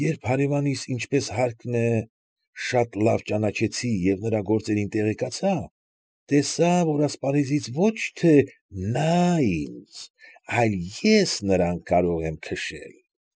Երբ հարևանիս, ինչպես հարկն է, լավ ճանաչեցի և նրա գործերին տեղեկացա, տեսա, որ ասպարեզից ոչ թե նա ինձ, այլ ես նրան կարող եմ քշել։